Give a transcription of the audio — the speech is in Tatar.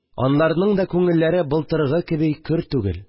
Анларның да күңелләре былтыргы кеби көр түгел